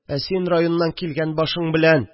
Ә син районнан килгән башың белән...